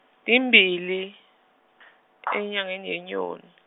timbili enyangeni yeNyoni.